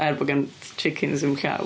Er bod gan chickens ddim llaw.